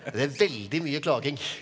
det er veldig mye klaging.